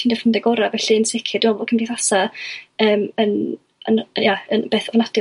'nes i neud ffrindia' gora' felly yn sicr dwi me'l bo' cymdeithasa' yym yn, yn ia yn beth